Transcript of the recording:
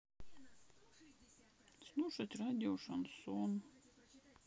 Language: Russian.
слушать радио шансон